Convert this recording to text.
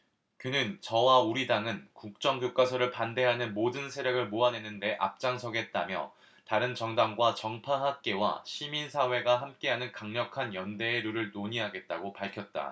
그는 저와 우리 당은 국정교과서를 반대하는 모든 세력을 모아내는 데 앞장서겠다며 다른 정당과 정파 학계와 시민사회가 함께하는 강력한 연대의 틀을 논의하겠다고 밝혔다